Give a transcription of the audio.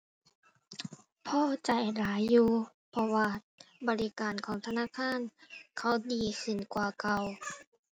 พอใจหลายอยู่ เพราะว่าบริการของธนาคารเขาดีขึ้นกว่าเก่า